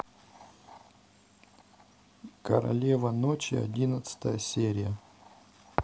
королева ночи одиннадцатая серия